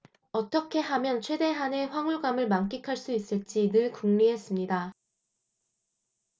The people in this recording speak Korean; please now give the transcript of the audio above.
어떻게 하면 최대한의 황홀감을 만끽할 수 있을지 늘 궁리했습니다